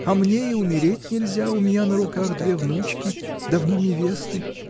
А мне и умереть нельзя: у меня на руках две внуки, давно невесты.